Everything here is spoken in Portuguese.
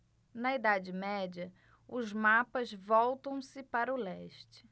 na idade média os mapas voltam-se para o leste